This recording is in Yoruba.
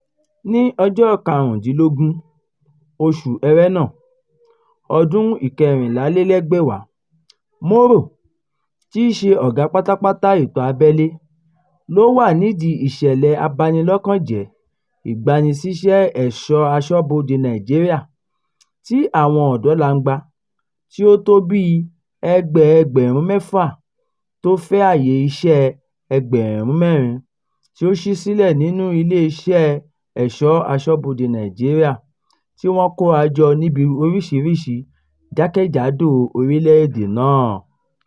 Ní ọjọ́ 15, oṣù Ẹrẹ́nà, ọdún-un 2014, Moro, tí í ṣe ọ̀gá pátápátá ètò abélé, ló wà nídìí ìṣẹ̀lẹ̀ abanilọ́kànjẹ́ Ìgbanisíṣẹ́ Ẹ̀ṣọ̀ aṣọ́bodè Nàìjíríà tí àwọn ọ̀dọ́langba tí ó tó bíi ẹgbẹẹgbẹ̀rún 6 tó fẹ́ àyè iṣẹ́ ẹgbẹ̀rún 4 tí ó ṣí sílẹ̀ nínú iléeṣẹ́ Ẹ̀ṣọ̀ Aṣọ́bodè Nàìjíríà tí wọ́n kóra jọ níbi orísìírísìí jákèjádò orílẹ̀ èdè náà.